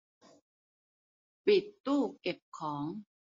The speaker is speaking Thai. ปิดตู้เก็บของ